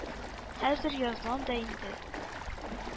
Хәзер язмам да инде.